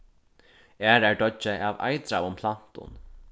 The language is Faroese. aðrar doyggja av eitraðum plantum